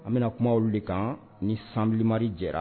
An bi na kuma wuli i kan ni sanmilimari jɛra.